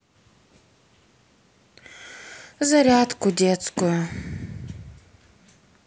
зарядку детскую